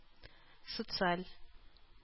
Социаль